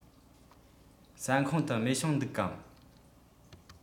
ཟ ཁང དུ མེ ཤིང འདུག གམ